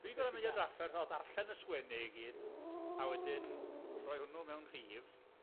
Dwi'n gorfod mynd i'r drafferth a darllen y sgwennu i gyd, a wedyn roi hwnnw mewn rhif,